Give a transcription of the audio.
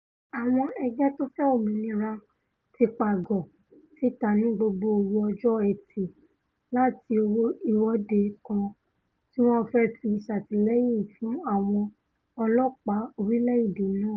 Àwọn ẹgbẹ́ tófẹ́ òmìnira ti pàgọ́ síta ní gbogbo òru ọjọ́ Ẹtì láti ìwọ́de kan tíwọ́n fẹ́ fi ṣàtìlẹyìn fún àwọn ọlọ́ọ̀pá orílẹ̀-èdè náà.